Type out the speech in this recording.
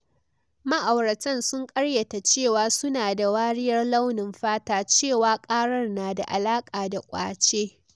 Ma’auratan sun karyata cewa su na da wariyar launin fata, cewa karar na da alaka da “kwace”